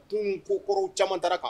Tun ko kɔrɔw caman taara kan